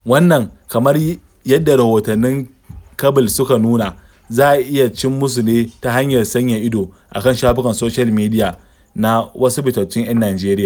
Wannan, kamar yadda rahotannin Cable suka nuna, za a iya cim musu ne ta hanyar sanya ido a kan shafukan soshiyal midiya na "wasu fitattun 'yan Najeriya".